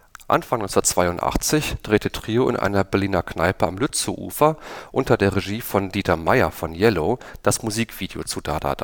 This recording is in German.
Anfang 1982 drehte Trio in einer Berliner Kneipe am Lützowufer unter der Regie von Dieter Meier (Yello) das Musikvideo zu „ Da da da